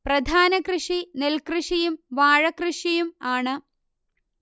പ്രധാന കൃഷി നെൽകൃഷിയും വാഴകൃഷിയും ആണ്